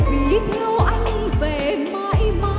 ví theo anh về mãi